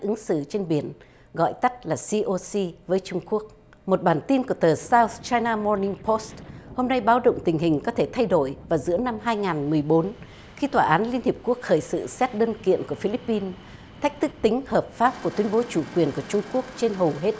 ứng xử trên biển gọi tắt là xi ô xi với trung quốc một bản tin của tờ sao chai na mo ninh bốt hôm nay báo động tình hình có thể thay đổi và giữa năm hai ngàn mười bốn khi tòa án liên hiệp quốc khởi sự xét đơn kiện của phi líp pin thách thức tính hợp pháp của tuyên bố chủ quyền của trung quốc trên hầu hết